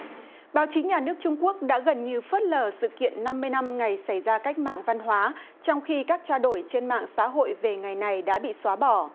báo chí nhà nước trung quốc đã gần như phớt lờ sự kiện năm mươi năm ngày xảy ra cách mạng văn hóa trong khi các trao đổi trên mạng xã hội về ngày này đã bị xóa bỏ